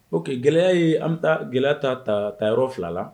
O que gɛlɛya ye an bɛ taa gɛlɛya ta ta yɔrɔ fila la